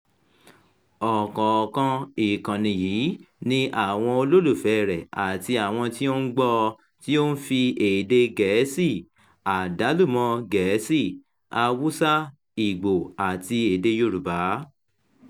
Ọ̀kọ̀ọ̀kan ìkànnì yìí — ní àwọn olólùfẹ́ẹ rẹ̀ àti àwọn tí ó ń gbọ́ ọ — tí ó ń fi èdèe Gẹ̀ẹ́sì, Àdàlùmọ́-Gẹ̀ẹ́sì, Hausa, Igbo àti èdèe Yorùbá.